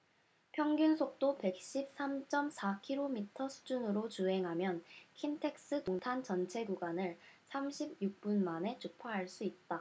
평균속도 백 십 삼 쩜 사 키로미터 수준으로 주행하면 킨텍스 동탄 전체 구간을 삼십 육 분 만에 주파할 수 있다